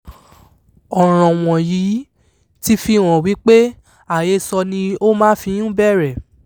Ọ̀ràn wọ̀nyí ti fi hàn wípé àhesọ ni ó máa fi ń bẹ̀rẹ̀ .